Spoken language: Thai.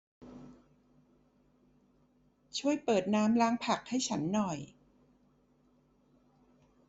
ช่วยเปิดน้ำล้างผักให้ฉันหน่อย